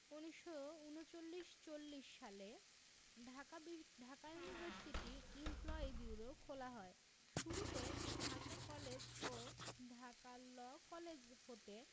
১৯৩৯ ৪০ সালে ঢাকা বি Dhaka university employee bureau খোলা হয় শুরুতে ঢাকা কলেজ ও ঢাকা ল কলেজ হতে